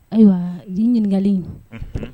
Ayiwa bi ɲininkali; Unhun.